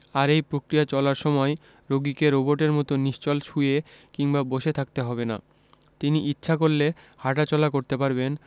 আর এই প্রক্রিয়া চলার সময় রোগীকে রোবটের মতো নিশ্চল শুয়ে কিংবা বসে থাকতে হবে না তিনি ইচ্ছা করলে হাটাচলা করতে পারবেন